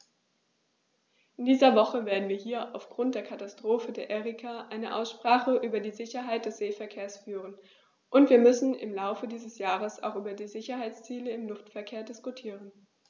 In dieser Woche werden wir hier aufgrund der Katastrophe der Erika eine Aussprache über die Sicherheit des Seeverkehrs führen, und wir müssen im Laufe dieses Jahres auch über die Sicherheitsziele im Luftverkehr diskutieren.